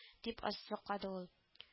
- дип ассызыклады ул